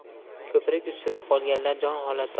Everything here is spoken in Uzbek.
ko'prik ustida qolganlar jonholatda